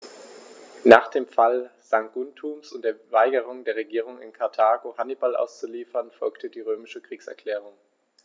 Nach dem Fall Saguntums und der Weigerung der Regierung in Karthago, Hannibal auszuliefern, folgte die römische Kriegserklärung.